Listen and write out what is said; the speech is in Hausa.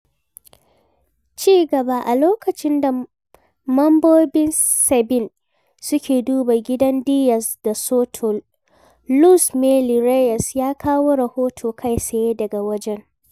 [Cigaba] A lokacin da mambobin SEBIN suke duba gidan Diaz da Soto, Luz Mely Reyes ya kawo rahoto kai tsaye daga wajen.